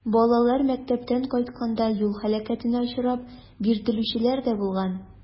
Балалар мәктәптән кайтканда юл һәлакәтенә очрап, биртелүчеләр дә булган.